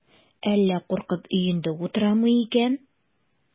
Әллә куркып өендә утырамы икән?